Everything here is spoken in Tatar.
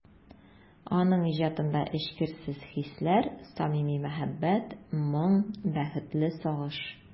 Аның иҗатында эчкерсез хисләр, самими мәхәббәт, моң, бәхетле сагыш...